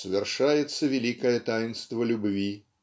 свершается великое таинство любви.